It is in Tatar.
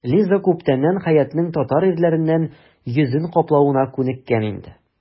Лиза күптәннән Хәятның татар ирләреннән йөзен каплавына күнеккән иде.